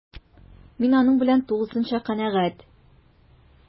Мин аның белән тулысынча канәгать: